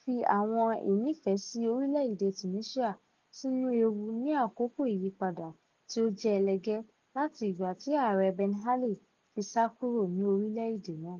fi àwọn ìnífẹ̀ẹ́sí orílẹ̀ èdè Tunisia sínú ewu ní àkókò ìyípadà tí ó jẹ́ ẹlẹgẹ́ láti ìgbà tí Ààrẹ Ben Ali ti sá kúrò ní orílẹ̀ èdè náà.